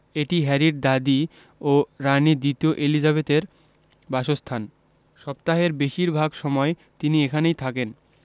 এটি হ্যারির দাদি ও রানি দ্বিতীয় এলিজাবেথের বাসস্থান সপ্তাহের বেশির ভাগ সময় তিনি এখানেই থাকেন